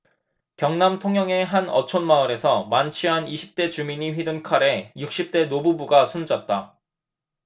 경남 통영의 한 어촌마을에서 만취한 이십 대 주민이 휘둔 칼에 육십 대 노부부가 숨졌다